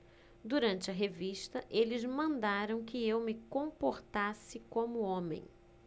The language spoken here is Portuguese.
durante a revista eles mandaram que eu me comportasse como homem